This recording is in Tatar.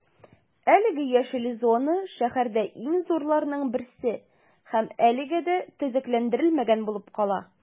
Әлеге яшел зона шәһәрдә иң зурларының берсе һәм әлегә дә төзекләндерелмәгән булып кала.